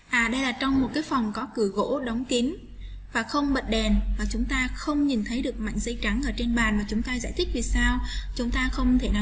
trong một cái phòng có cửa gỗ đóng kín và không bật đèn mà chúng ta không nhìn thấy được mảnh giấy trắng ở trên bàn mà chúng ta giải thích vì sao chúng ta không thể